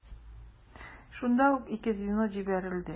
Шунда ук ике звено җибәрелде.